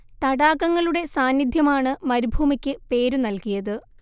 തടാകങ്ങളുടെ സാന്നിദ്ധ്യമാണ് മരുഭൂമിക്ക് പേരു നൽകിയത്